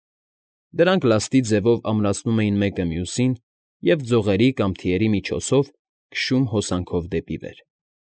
Դրանք լատի ձևով ամրացնում էին մեկը մյուսին և ձողերի կամ թիերի միջով քշում հոսանքով դեպի վեր։